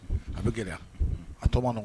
A bɛ gɛlɛya a to